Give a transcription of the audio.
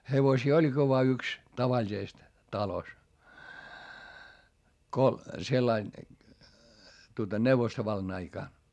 hevosia olikin vain yksi tavallisesti talossa kun sillä lailla tuota neuvostovallan aikana